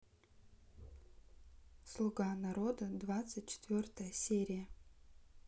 слуга народа двадцать четвертая серия